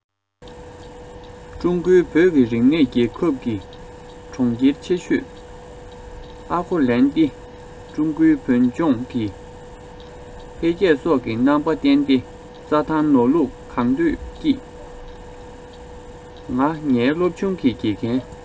ཀྲུང གོའི བོད ཀྱི རིག གནས རྒྱལ ཁབ ཀྱི གྲོང ཁྱེར ཆེ ཤོས ཨའོ ཁོ ལན ཏི ཀྲུང གོའི བོད ལྗོངས ཀྱི འཕེལ རྒྱས སོགས ཀྱི རྣམ པ བསྟན ཏེ རྩ ཐང ནོར ལུག གང འདོད སྐྱིད ང ངའི སློབ ཆུང གི དགེ རྒན